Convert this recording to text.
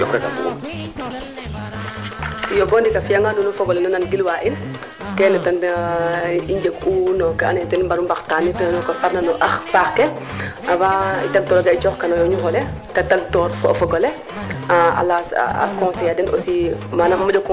ndiing a baand a bandoo rek ka koy kam leyong mee maak we ka leye waaga baand o jangir fo roog moƴun pour jalil fo roog koy xano jalana roog pour jalir fo roog foko nana roog